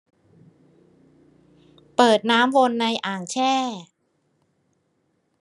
เปิดน้ำวนในอ่างแช่